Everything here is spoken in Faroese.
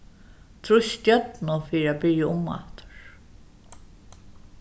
trýst stjørnu fyri at byrja umaftur